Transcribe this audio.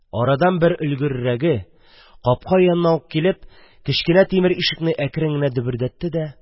Арадан бер өлгеррәге, капка янына ук килеп, кечкенә тимер ишекне әкрен генә дөбердәтте дә: